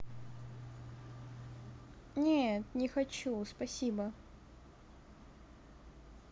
нет не хочу спасибо